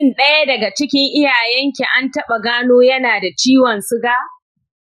shin ɗaya daga cikin iyayenki an taɓa gano yana da ciwon suga?